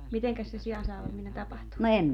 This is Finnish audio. mitenkäs se siansalvaminen tapahtui